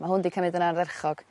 ma' hwn 'di cymyd yn ardderchog.